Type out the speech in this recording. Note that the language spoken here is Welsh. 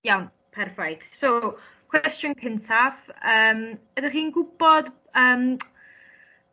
Iawn perffaith so cwestiwn cyntaf yym ydech chi'n gw'bod yym